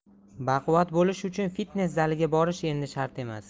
baquvvat bo'lish uchun fitness zaliga borish endi shart emas